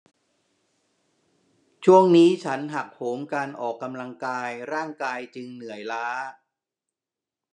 ช่วงนี้ฉันหักโหมการออกกำลังกายร่างกายจึงเหนื่อยล้า